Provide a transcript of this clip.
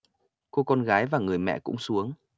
cô con gái và người mẹ cũng xuống